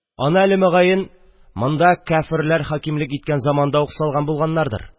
Аны әле, могаен, монда кяферләр хәкимлек иткән заманда ук салган булганнардыр.